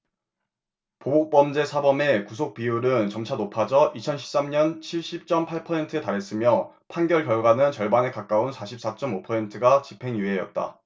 보복 범죄 사범의 구속 비율은 점차 높아져 이천 십 삼 년에 칠십 쩜 팔 퍼센트에 달했으며 판결 결과는 절반에 가까운 사십 사 쩜 오 퍼센트가 집행유예였다